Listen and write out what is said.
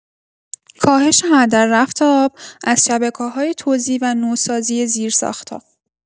کاهش هدررفت آب از شبکه‌های توزیع و نوسازی زیرساخت‌ها